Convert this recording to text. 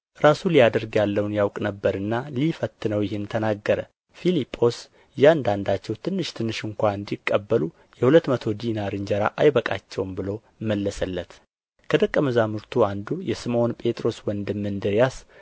ራሱ ሊያደርግ ያለውን ያውቅ ነበርና ሊፈትነው ይህን ተናገረ ፊልጶስ እያንዳንዳቸው ትንሽ ትንሽ እንኳ እንዲቀበሉ የሁለት መቶ ዲናር እንጀራ አይበቃቸውም ብሎ መለሰለት ከደቀ መዛሙርቱ አንዱ የስምዖን ጴጥሮስ ወንድም እንድርያስ